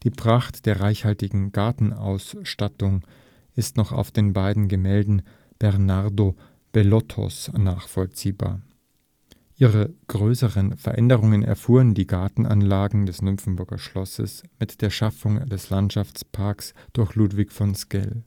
Pracht der reichhaltigen Gartenausstattung ist noch auf den beiden Gemälden Bernardo Bellottos nachvollziehbar. Ihre größten Veränderungen erfuhren die Gartenanlagen des Nymphenburger Schlosses mit der Schaffung des Landschaftsparks durch Ludwig von Sckell